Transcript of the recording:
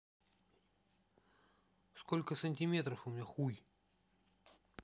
сколько сантиметров у меня хуй